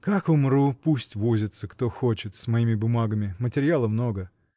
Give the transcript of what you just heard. — Как умру, пусть возится, кто хочет, с моими бумагами: материала много.